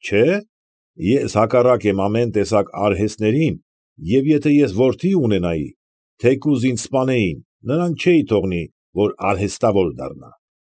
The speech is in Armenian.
Չէ՛, ես հակառակ եմ ամեն տեսակ արհեստներին և եթե ես որդի ունենայի, թեկուզ ինձ սպանեին, նրան չէի թողնի, որ արհեստավոր դառնա։